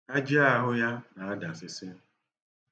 Aji ahụ ya na-adasịsị.